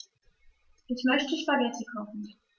Ich möchte Spaghetti kochen.